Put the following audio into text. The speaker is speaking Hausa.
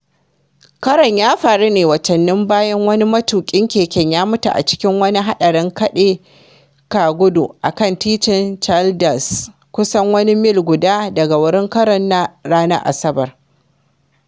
Karon ya faru ne watanni bayan wani matuƙin keken ya mutu a cikin wani haɗarin kaɗe-ka-gudu a kan Titin Childers, kusan wani mil guda daga wurin karon na ranar Asabar.